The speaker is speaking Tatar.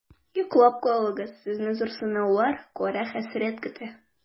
Йоклап калыгыз, сезне зур сынаулар, кара хәсрәт көтә.